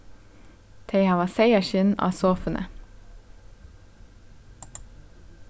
tey hava seyðaskinn á sofuni